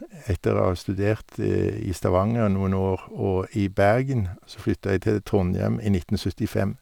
Etter å ha studert i Stavanger noen år og i Bergen, så flytta jeg til Trondhjem i nitten syttifem.